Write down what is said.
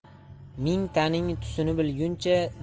mingtaning tusini bilguncha